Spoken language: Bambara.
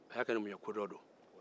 a y'a kɛ ni mun ye kodɔn don